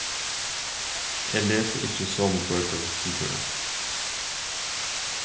eg lesi ikki somu bøkur sum tú